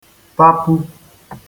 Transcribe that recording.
-tapu